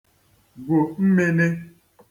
gwù mīnī